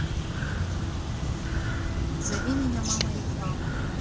зови меня мама реклама